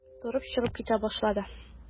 Торып чыгып китә башлады.